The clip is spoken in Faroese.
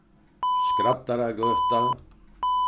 skraddaragøta